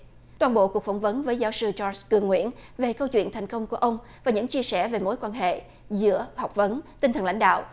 toàn bộ cuộc phỏng vấn với giáo sư troóc cương nguyễn về câu chuyện thành công của ông và những chia sẻ về mối quan hệ giữa học vấn tinh thần lãnh đạo